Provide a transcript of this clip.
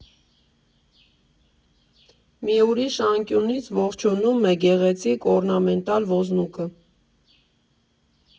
Մի ուրիշ անկյունից ողջունում է գեղեցիկ օրնամենտալ ոզնուկը։